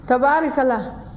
tabaarikala